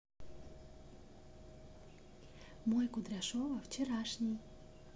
мой кудряшова вчерашний